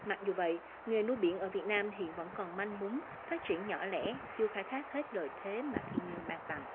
mặc dù vậy nghề nuôi biển ở việt nam hiện vẫn còn manh mún phát triển nhỏ lẻ chưa khai thác hết lợi thế mà thiên nhiên ban tặng